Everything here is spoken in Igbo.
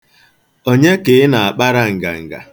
Onye ka ị na-akpara nganga?